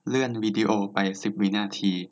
เลื่อนวีดีโอไปสิบวินาที